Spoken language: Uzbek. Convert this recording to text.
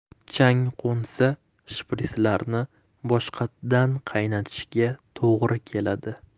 chang qo'nsa shprislarni boshqatdan qaynatishga to'g'ri keladi